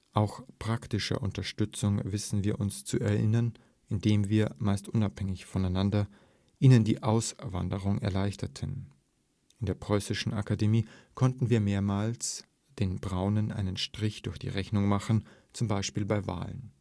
Auch praktischer Unterstützung wissen wir uns zu erinnern, indem wir, meist unabhängig voneinander, ihnen die Auswanderung erleichterten. In der Preußischen Akademie konnten wir mehrmals den Braunen einen Strich durch die Rechnung machen, zum Beispiel bei Wahlen